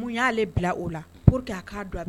Mun yae bila o la pour que a ka don a